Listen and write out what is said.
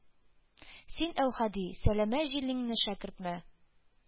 Син, Әүхәди,- сәләмә җиләнле шәкерткә